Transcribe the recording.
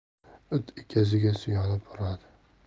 it egasiga suyanib huradi